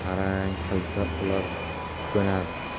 tarang qilsa ular ko'nadi